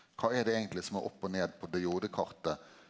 kva er det eigentleg som er opp og ned på de Jode-kartet?